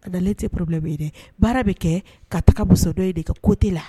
Ka dalen te porobibe dɛ baara bɛ kɛ ka taga bonsɔ dɔ ye de ka kote la